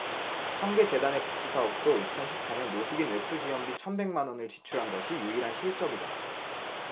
청계재단의 복지사업도 이천 십 사 년 노숙인 외투 지원비 천 백 만원을 지출한 것이 유일한 실적이다